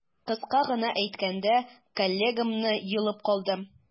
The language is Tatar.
Кыска гына әйткәндә, коллегамны йолып калдым.